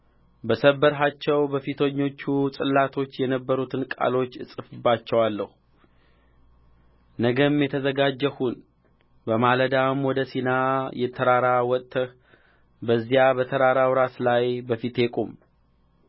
በሰበርኻቸው በፊተኞቹ ጽላቶች የነበሩትን ቃሎች እጽፍባቸዋለሁ ነገም የተዘጋጀህ ሁን በማለዳም ወደ ሲና ተራራ ወጥተህ በዚያ በተራራው ራስ ላይ በፊቴ ቁም